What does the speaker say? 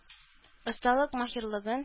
Осталык-маһирлыгын